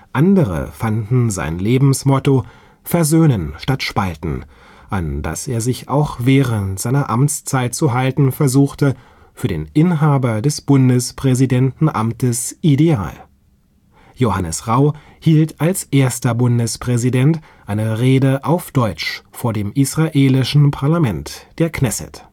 Andere fanden sein Lebensmotto „ Versöhnen statt Spalten “, an das er sich auch während seiner Amtszeit zu halten versuchte, für den Inhaber des Bundespräsidentenamtes ideal. Johannes Rau hielt als erster Bundespräsident eine Rede auf Deutsch vor dem israelischen Parlament, der Knesset